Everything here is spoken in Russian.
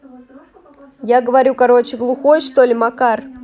я говорю короче глухой что ли макар